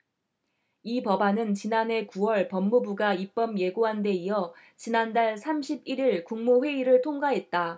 이 법안은 지난해 구 월 법무부가 입법예고한데 이어 지난달 삼십 일 일 국무회의를 통과했다